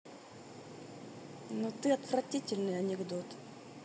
но ты отвратительный анекдот